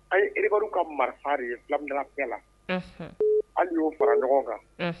A ye ikaw ka marifari ye filamfɛ la an y'o fara ɲɔgɔn kan